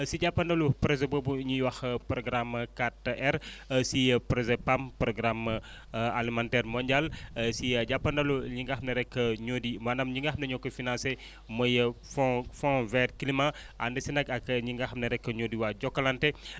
si jàppandalu projet boobu ñuy wax programme 4R si projet PAM programme alimentaire mondiale si jàppandalu ñi nga xam ne rek ñoo di maanaam ñi nga xam ne ñoo ko financé muy fond fond vers climat ànd si nag ak ñi nga xam ne rek ñoo fi waa Jokalante